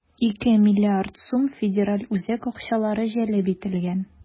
2 млрд сум федераль үзәк акчалары җәлеп ителгән.